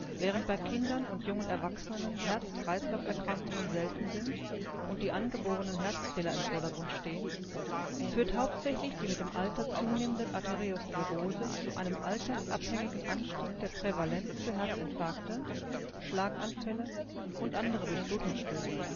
Während bei Kindern und jungen Erwachsenen Herz-Kreislauf-Erkrankungen selten sind und die angeborenen Herzfehler im Vordergrund stehen, führt hauptsächlich die mit dem Alter zunehmende Arteriosklerose zu einem altersabhängigen Anstieg der Prävalenz für Herzinfarkte, Schlaganfälle und andere Durchblutungsstörungen